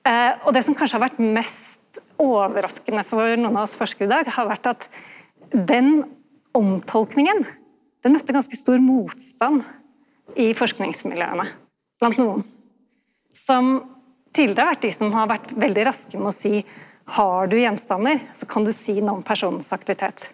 og det som kanskje har vore mest overraskande for nokon av oss forskarar i dag har vore at den omtolkinga den møtte ganske stor motstand i forskingsmiljøa blant nokon som tidlegare har vore de som har vore veldig raske med å seie har du gjenstandar så kan du seie noko om personens aktivitet.